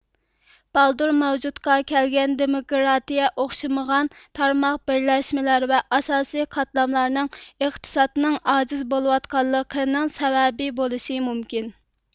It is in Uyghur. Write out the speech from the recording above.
بالدۇر مەۋجۇدقا كەلگەن دېمۇكىراتىيە ئوخشىمىغان تارماق بىرلەشمىلەر ۋە ئاساسىي قاتلاملارنىڭ ئېقتىسادنىڭ ئاجىز بولىۋاتقانلىقىنىڭ سەۋەبى بولىشى مۇمكىن